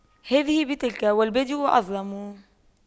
هذه بتلك والبادئ أظلم